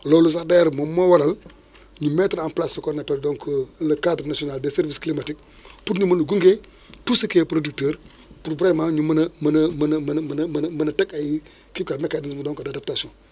loolu sax d' ailleurs moom moo waral ñu mettre en place ce qu' on appelle donc le cadre national de service climatique pour ñu mun a gunge tout ce qui est producteurs pour vraiment ñu mën a mën a mën a mën a mën a mën a teg ay kii quoi mécanismes donc d' adaptation